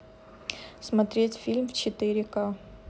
смотреть фильм в четыре ка